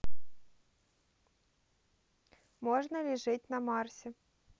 можно ли жить на марсе